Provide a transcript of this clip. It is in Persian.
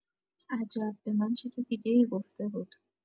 عجب به من چیز دیگه‌ای گفته بود